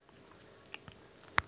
дикки скричеры